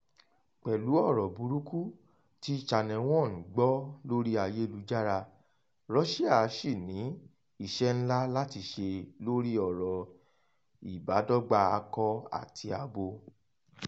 Pẹ̀lú ọ̀rọ̀ burúkú tí Channel One gbọ́ lórí ayélujára, Russia sì ní iṣẹ́ ńlá láti ṣe lórí ọ̀rọ̀ ìbádọ́gbà akọ àti abo.